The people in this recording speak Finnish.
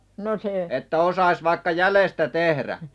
että osaisi vaikka jäljestä tehdä